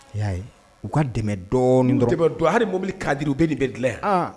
I y'a ye, u ka dɛmɛ dɔɔnin dɔrɔn hali mobili cadre u bɛ nin bɛɛ de bɛ dilan yan, an